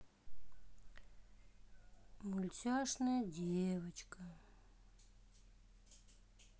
мультяшная девочка